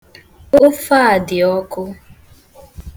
Ofe a dị ọkụ.